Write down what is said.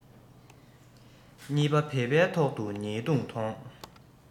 གཉིས པ བེས པའི ཐོག ཏུ ཉེས རྡུང ཐོང